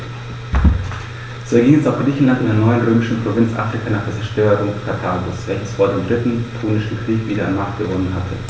So erging es auch Griechenland und der neuen römischen Provinz Afrika nach der Zerstörung Karthagos, welches vor dem Dritten Punischen Krieg wieder an Macht gewonnen hatte.